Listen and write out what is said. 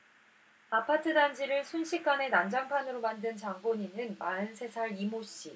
아파트 단지를 순식간에 난장판으로 만든 장본인은 마흔 세 살 이 모 씨